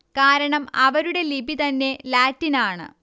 കാരണം അവരുടെ ലിപി തന്നെ ലാറ്റിൻ ആണ്